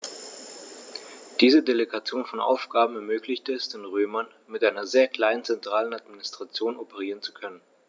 Diese Delegation von Aufgaben ermöglichte es den Römern, mit einer sehr kleinen zentralen Administration operieren zu können.